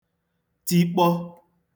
tikpọ